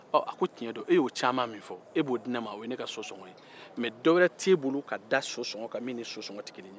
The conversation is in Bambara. ɔ a ko tiɲɛn do e y'o caman min fɔ e b'o di ne man o ye ne ka so sɔgɔn ye mɛ dɔwɛrɛ t'e bolo k'a da so sɔgɔn ka min ni so sɔgɔn tɛ kelen ye